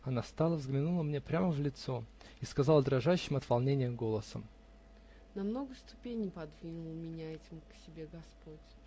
она встала, взглянула мне прямо в лицо и сказала дрожащим от волнения голосом: -- На много ступеней подвинул меня этим к себе господь.